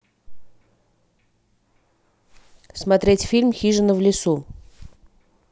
смотреть фильм хижина в лесу